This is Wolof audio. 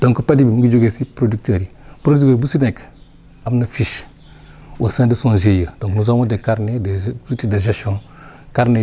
donc padi bi mu ngi jugee si producteurs yi producteur bu si nekk am na fiche au sein de son GIE donc nous avons des carnets des outils de gestion